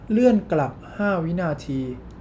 เลื่อนกลับห้าวินาที